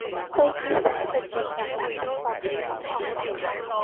huy chia sẻ mình nhìn nhận bản thân và cuộc sống hoàn toàn khác